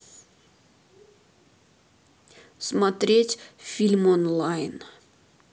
смотреть фильм онлайн